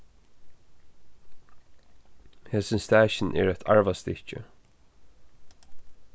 hesin stakin er eitt arvastykki